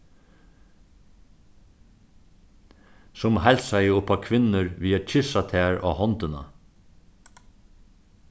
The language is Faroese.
sum heilsaði upp á kvinnur við at kyssa tær á hondina